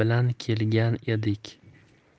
bilan kelgan edik